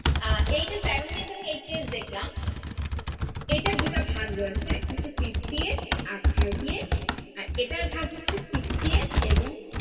এই যে seventy S এবং এই টি এস দেখলাম এটার দুটো ভাগ রয়েছে একটা হচ্ছে ফিফটি এস থার্টি এস আর এটার ভাগ হচ্ছে সিক্সটি এস এবং